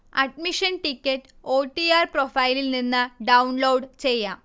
Admission ticket O. T. R പ്രൊഫൈലിൽനിന്ന് download ചെയ്യാം